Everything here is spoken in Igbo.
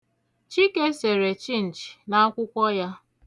Chike sere chinchin n'akwụkwọ ya.